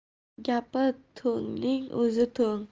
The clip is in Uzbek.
gapi to'ngning o'zi to'ng